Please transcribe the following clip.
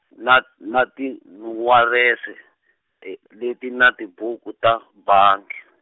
na na tinxuwarense, leti na tibuku ta, bangi.